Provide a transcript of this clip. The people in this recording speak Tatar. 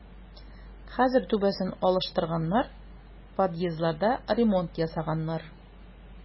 Хәзер түбәсен алыштырганнар, подъездларда ремонт ясаганнар.